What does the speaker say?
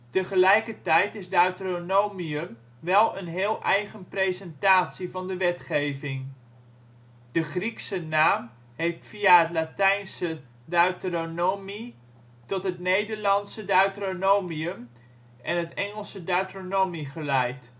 Tegelijkertijd is Deuteronomium wel een heel eigen presentatie van de wetgeving. De Griekse naam heeft via het Latijnse Deuteronomii tot het Nederlandse Deuteronomium en het Engelse Deuteronomy geleid